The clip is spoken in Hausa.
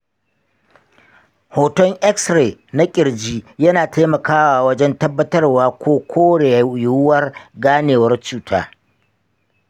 hoton x-ray na ƙirji yana taimakawa wajen tabbatarwa ko kore yiwuwar ganewar cuta.